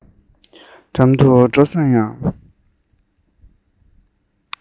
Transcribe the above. འགྲམ དུ འགྲོ བསམ ཡང